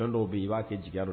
Dɔn dɔw bɛ i b'a kɛ jigiig dɔn la